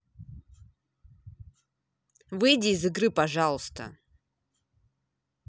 выйди из игры пожалуйста